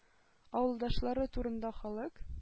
Авылдашлары турында халык